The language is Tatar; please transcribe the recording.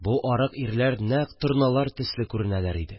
Бу арык ирләр нәкъ торналар төсле күренәләр иде